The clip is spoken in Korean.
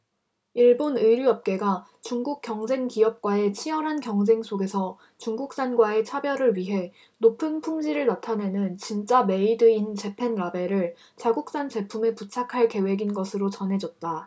일본 의류업계가 중국 경쟁 기업과의 치열한 경쟁 속에서 중국산과의 차별을 위해 높은 품질을 나타내는 진짜 메이드 인 재팬 라벨을 자국산 제품에 부착할 계획인 것으로 전해졌다